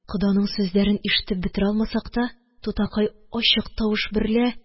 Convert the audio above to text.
Коданың сүзләрен ишетеп бетерә алмасак та, тутакай ачык тавыш берлә: